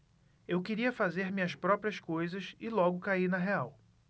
eu queria fazer minhas próprias coisas e logo caí na real